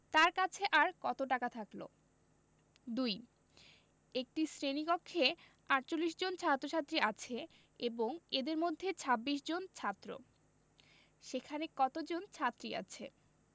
তার কাছে কত টাকা থাকল ২ একটি শ্রেণি কক্ষে ৪৮ জন ছাত্ৰ-ছাত্ৰী আছে এবং এদের মধ্যে ২৬ জন ছাত্র সেখানে কতজন ছাত্রী আছে